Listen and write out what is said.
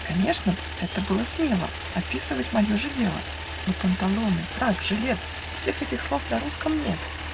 Конечно б это было смело, Описывать мое же дело: Но панталоны, фрак, жилет, Всех этих слов на русском нет